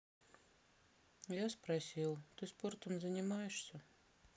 я спросил ты спортом занимаешься